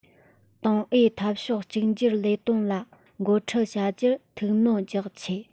ཏང ཨུས འཐབ ཕྱོགས གཅིག གྱུར ལས དོན ལ འགོ ཁྲིད བྱ རྒྱུར ཤུགས སྣོན རྒྱག ཆེད